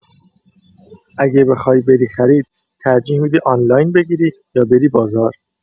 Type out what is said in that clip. اگه بخوای بری خرید، ترجیح می‌دی آنلاین بگیری یا بری بازار؟